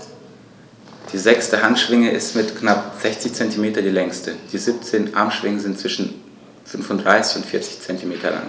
Die sechste Handschwinge ist mit knapp 60 cm die längste. Die 17 Armschwingen sind zwischen 35 und 40 cm lang.